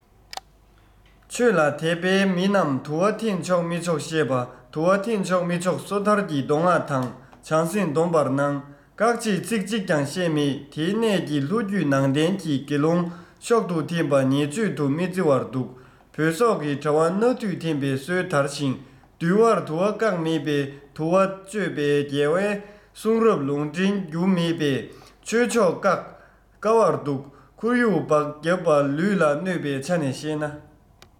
ཆོས ལ དད པའི མི རྣམས དུ བ འཐེན ཆོག མི ཆོག བཤད པ དུ བ འཐེན ཆོག མི ཆོག སོ ཐར གྱི མདོ སྔགས དང བྱང སེམས སྡོམ པར གནང བཀག བྱེད ཚིག གཅིག ཀྱང བཤད མེད དེའི གནད ཀྱིས ལྷོ རྒྱུད ནང བསྟན གྱི དགེ སློང ཤོག དུ འཐེན པ ཉེས སྤྱོད དུ མི བརྩི བར འདུག བོད སོག གི གྲྭ བ སྣ དུད འཐེན པའི སྲོལ དར ཞིང འདུལ བར དུ བ བཀག མེད པས དུ བ གཅོད པའི རྒྱལ བའི གསུང རབ ལུང འདྲེན རྒྱུ མེད པས ཆོས ཕྱོགས བཀག དཀའ བར འདུག འཁོར ཡུག སྦགས རྒྱབ པ ལུས ལ གནོད པའི ཆ ནས བཤད ན